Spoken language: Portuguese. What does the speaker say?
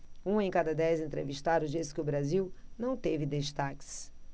um em cada dez entrevistados disse que o brasil não teve destaques